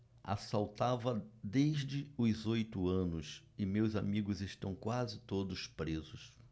assaltava desde os oito anos e meus amigos estão quase todos presos